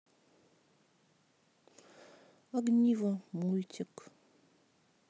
огниво мультик